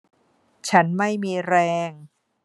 ฉันไม่มีแรง